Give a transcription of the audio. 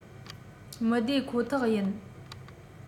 མི བདེ ཁོ ཐག ཡིན